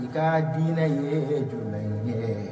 I ka diinɛ ye jɔn ye